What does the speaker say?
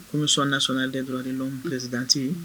Kɔmi sɔn na sɔnna de dɔrɔnkisidte ye